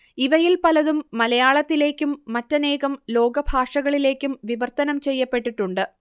ഇവയിൽ പലതും മലയാളത്തിലേക്കും മറ്റനേകം ലോകഭാഷകളിലേക്കും വിവർത്തനം ചെയ്യപ്പെട്ടിട്ടുണ്ട്